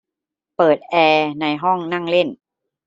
เปิดแอร์ในห้องนั่งเล่น